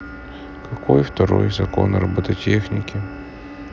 какой второй закон робототехники